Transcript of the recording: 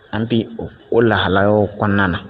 An bi o o lahala o kɔnɔna na